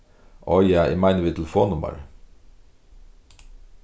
áh ja eg meini við telefonnummarið